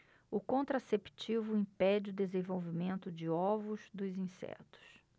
o contraceptivo impede o desenvolvimento de ovos dos insetos